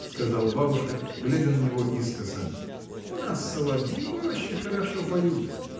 — сказала бабушка, глядя на него искоса, — у нас соловьи в роще хорошо поют.